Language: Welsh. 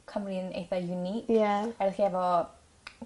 Cymru yn eitha unique. Ie. Hefy chi efo